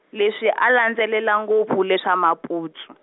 leswi a landzelela ngopfu leswa maputsu.